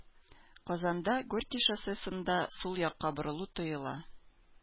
Казанда Горький шоссесында сул якка борылу тыела.